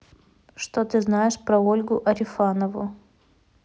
что ты знаешь про ольгу арифанову